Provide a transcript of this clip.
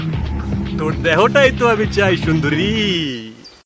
তোর দেহটাই তো আমি চাই সুন্দরী